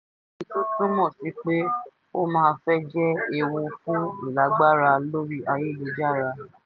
Èyí yóò túmọ̀ sí pé ó máa fẹ́ jẹ́ ewu fún ìlágbára lórí ayélujára.